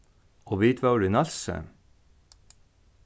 og vit vóru í nólsoy